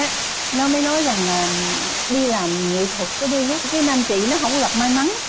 á nó mới nói rằng là đi làm nghệ thuật có đôi lúc cái nam chị nó không có gặp may mắn